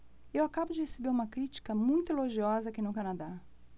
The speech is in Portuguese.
eu acabo de receber uma crítica muito elogiosa aqui no canadá